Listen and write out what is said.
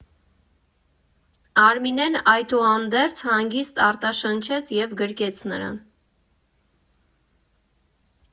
Արմինեն, այդուհանդերձ, հանգիստ արտաշնչեց և գրկեց նրան։